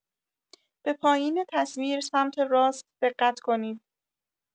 به پایین تصویر، سمت راست دقت کنید.